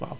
waaw